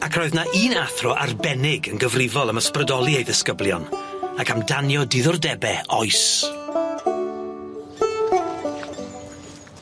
Ac roedd 'na un athro arbennig yn gyfrifol am ysbrydoli ei ddisgyblion ac am danio diddordebe oes.